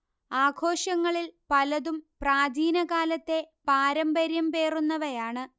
ആഘോഷങ്ങളിൽ പലതും പ്രാചീനകാലത്തെ പാരമ്പര്യം പേറുന്നവയാണ്